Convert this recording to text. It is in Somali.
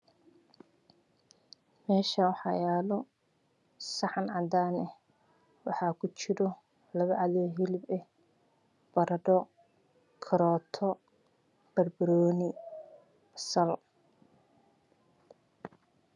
Meeshaan waxaa yaalo saxan cadaan ah waxaa kujiro labo cad oo hilib ah, baradho, kaarooto, banbanooni iyo basal.